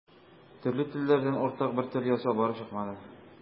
Төрле телләрдән уртак бер тел ясау барып чыкмады.